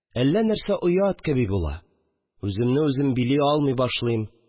Әллә нәрсә оят кеби була, үземне үзем били алмый башлыйм